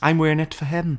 I'm wearing it for him.